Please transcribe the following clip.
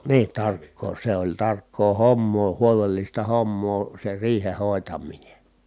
niin tarkkaa se oli tarkkaa hommaa huolellista hommaa se riihen hoitaminen